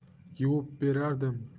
yuvib berardim